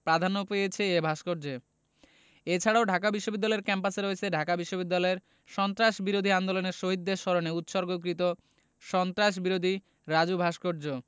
প্রাধান্য পেয়েছে এ ভাস্কর্যে এ ছাড়াও ঢাকা বিশ্ববিদ্যালয় ক্যাম্পাসে রয়েছে ঢাকা বিশ্ববিদ্যালয়ে সন্ত্রাসবিরোধী আন্দোলনে শহীদদের স্মরণে উৎসর্গকৃত সন্ত্রাসবিরোধী রাজু ভাস্কর্য